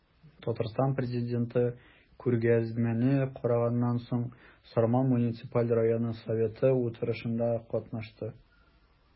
Татарстан Президенты күргәзмәне караганнан соң, Сарман муниципаль районы советы утырышында катнашты.